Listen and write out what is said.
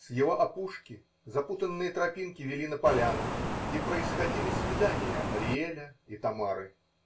С его опушки запутанные тропинки вели на поляну, где происходили свидания Ариэля и Тамары.